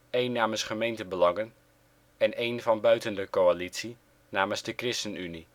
1 namens Gemeentebelangen en 1 van buiten de coalitie, namens de ChristenUnie